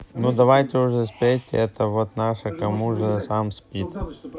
ну давайте уже спайте это вот наш кому уже сам спит